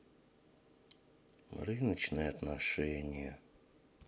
рыночные отношения